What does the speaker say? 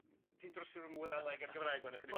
Ti'n drysu rwng y Wyddeleg a'r Gymraeg 'wan ychydig.